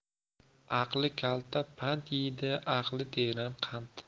aqli kalta pand yeydi aqli teran qand